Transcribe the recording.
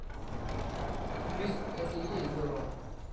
жизнь это и есть здорово